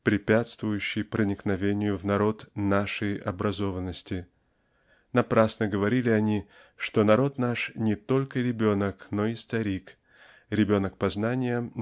препятствующей проникновению в народ нашей образованности напрасно говорили они что народ наш--не только ребенок но и старик ребенок по знаниям